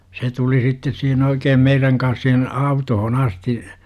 se tuli sitten siihen oikein meidän kanssa siihen autoon asti